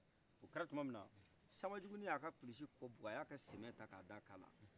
o kɛka tuma min na sanba juguni y' a ka kulusi kɔ bukɔ aya ka sɛmɛ ka d'a kana